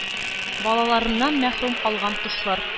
Балаларыннан мәхрүм калган кошлар